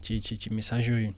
ci ci ci messages yooyu